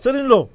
Serigne Lo